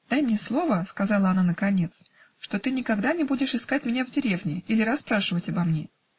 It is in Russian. "Дай мне слово, -- сказала она наконец, -- что ты никогда не будешь искать меня в деревне или расспрашивать обо мне.